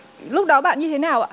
lúc đó bạn như thế nào ạ